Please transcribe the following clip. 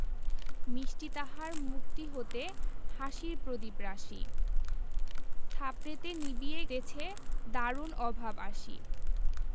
মিষ্টি তাহার মুখটি হতে হাসির প্রদীপ রাশি থাপড়েতে নিবিয়ে গেছে দারুণ অভাব আসি